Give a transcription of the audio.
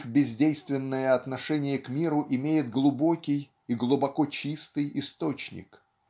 их бездейственное отношение к миру имеет глубокий и глубокочистый источник?